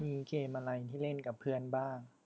มีเกมอะไรที่เล่นกับเพื่อนบ้าง